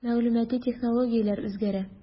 Мәгълүмати технологияләр үзгәрә.